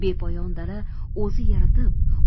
bepoyon dala o'zi yaratib